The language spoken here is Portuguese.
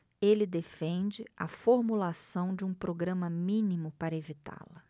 ele defende a formulação de um programa mínimo para evitá-la